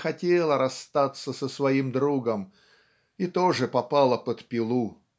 не хотела расстаться со своим другом и тоже попала под пилу".